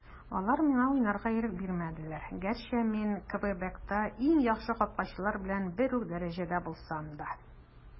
Алар миңа уйнарга ирек бирмәделәр, гәрчә мин Квебекта иң яхшы капкачылар белән бер үк дәрәҗәдә булсам да.